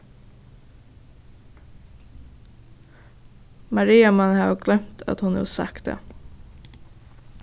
maria man hava gloymt at hon hevur sagt tað